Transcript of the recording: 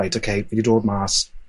reit ok fi 'di dod mas